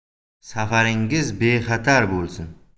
safaringiz bexatar bo'lsin